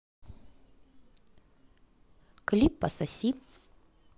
клип пососи